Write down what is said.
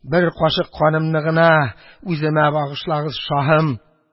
Бер кашык канымны гына үземә багышлагыз, шаһым!